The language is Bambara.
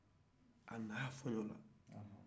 a nana fiɲɛ fɛ